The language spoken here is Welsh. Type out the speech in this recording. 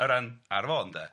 o ran Arfon de.